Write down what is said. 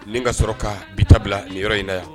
Ni ka sɔrɔ ka i ta bila nin yɔrɔ in na yan.